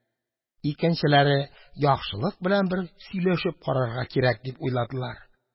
Икенчеләре: «Яхшылык белән бер сөйләшеп карарга кирәк», – дип уйладылар.